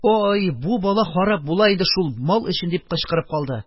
Ай, бу бала харап була инде шул мал өчен! - дип, кычкырып калды,